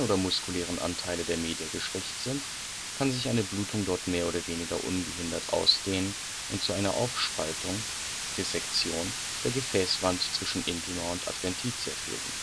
muskulären Anteile der Media geschwächt sind, kann sich eine Blutung dort mehr oder weniger ungehindert ausdehnen und zu einer Aufspaltung (Dissektion) der Gefäßwand zwischen Intima und Adventitia führen